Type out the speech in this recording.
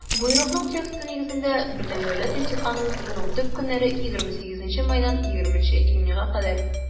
Боерыкның тексты нигезендә, БДИ уздыруның төп көннәре - 28 майдан 20 июньгә кадәр.